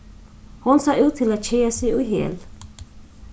hon sá út til at keða seg í hel